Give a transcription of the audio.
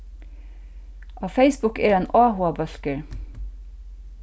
á facebook er ein áhugabólkur